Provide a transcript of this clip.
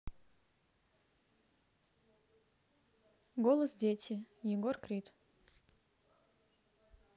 голос дети егор крид